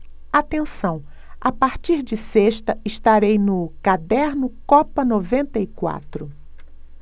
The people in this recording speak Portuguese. atenção a partir de sexta estarei no caderno copa noventa e quatro